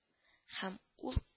Һәм ул